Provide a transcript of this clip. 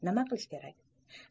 nima qilish kerak